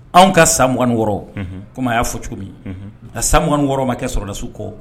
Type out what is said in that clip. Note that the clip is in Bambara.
Anw ka sa mugan wɔɔrɔ kɔmi y'a fɔ cogo ka sa m wɔɔrɔ ma kɛ sɔrɔdasiw kɔ